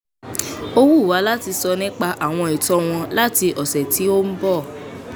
Ó wù wá láti sọ nípa àwọn ìtàn wọn láti ọ̀sẹ̀ tí ó ń bọ̀.